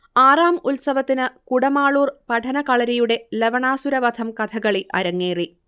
ആറാം ഉത്സവത്തിന് കുടമാളൂർ പഠനകളരിയുടെ ലവണാസുരവധം കഥകളി അരങ്ങേറി